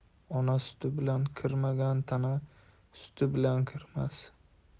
ona suti bilan kirmagan tana suti bilan kirmas